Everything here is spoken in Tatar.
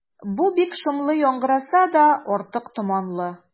Бу бик шомлы яңгыраса да, артык томанлы.